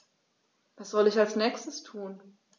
Was soll ich als Nächstes tun?